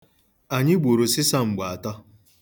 Anyị gburu sịsamgbo atọ.